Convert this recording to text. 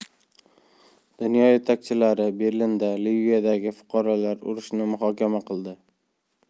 dunyo yetakchilari berlinda liviyadagi fuqarolar urushini muhokama qildi